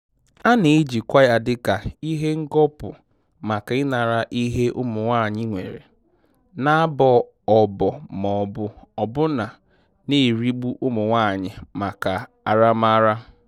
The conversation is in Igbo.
A na-ejikwa ya dịka ihe ngọpụ maka ịnara ihe ụmụ nwaanyị nwere, na-abọ ọbọ ma ọ bụ ọbụna na-erigbu ụmụ nwaanyị maka aramara.